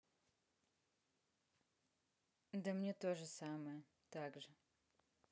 да мне тоже самое также